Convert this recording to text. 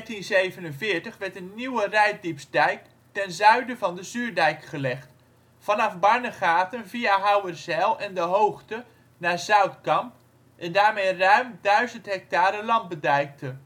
eeuw. Vóór 1347 werd een nieuwe Reitdiepsdijk ten zuiden van de Zuurdijk gelegd; vanaf Barnegaten via Houwerzijl en De Hoogte naar Zoutkamp en daarmee ruim 1000 hectare land bedijkte